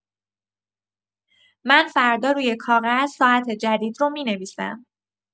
من فردا روی کاغذ ساعت جدید رو می‌نویسم.